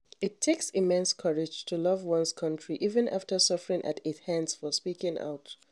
It takes immense courage to love one's country even after suffering at its hands for speaking out.